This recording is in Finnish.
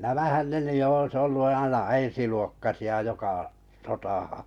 nämähän ne nyt jo olisi ollut aina ensiluokkaisia joka sotaan